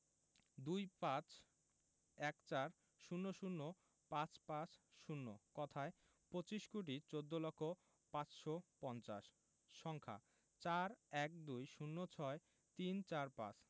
২৫ ১৪ ০০ ৫৫০ কথায়ঃ পঁচিশ কোটি চৌদ্দ লক্ষ পাঁচশো পঞ্চাশ সংখ্যাঃ ৪ ১২ ০৬ ৩৪৫